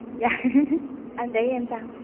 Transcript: dạ hí hí anh thấy em sao